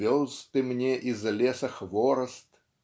вёз ты мне из леса хворост